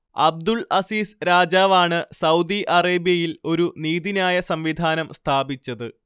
Abdul Aziz രാജാവാണ് Saudi അറേബ്യയിൽ ഒരു നീതിന്യായ സംവിധാനം സ്ഥാപിച്ചത്